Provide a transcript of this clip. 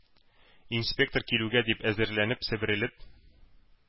Инспектор килүгә дип әзерләнеп себерелеп